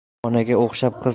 onaga o'xshab qiz